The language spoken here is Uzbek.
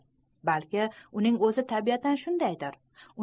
balki uning o'zi tabiatan shundaydir